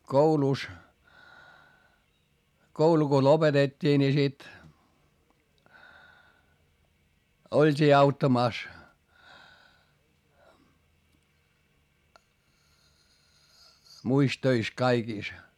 koulussa koulu kun lopetettiin niin sitten oltiin auttamassa muissa töissä kaikissa